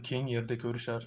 keng yerda ko'rishar